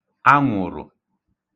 anwụ̀rụ̀